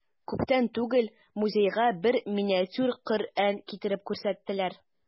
Күптән түгел музейга бер миниатюр Коръән китереп күрсәттеләр.